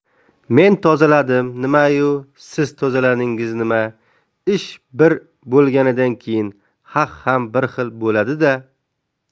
men tozaladim nimayu siz tozaladingiz nima ish bir bo'lganidan keyin haq ham bir bo'ladi da